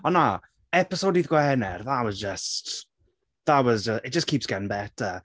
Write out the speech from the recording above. Ond na, episode dydd Gwener, that was just, that was ju- it just keeps getting better.